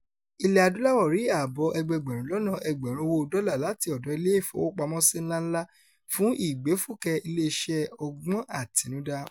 Ilẹ̀-Adúláwọ̀ rí àbọ̀ ẹgbẹẹgbẹ̀rún-lọ́nà-ẹgbẹ̀rún owóo dollar láti ọ̀dọ̀ Ilé-ìfowópamọ́sí ńláńlá fún ìgbéfúkẹ́ Iléeṣẹ́ ọgbọ́n àtinudá